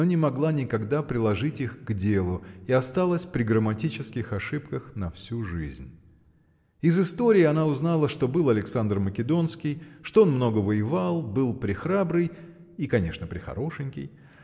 но не могла никогда приложить их к делу и осталась при грамматических ошибках на всю жизнь. Из истории она узнала что был Александр Македонский что он много воевал был прехрабрый. и, конечно, прехорошенький.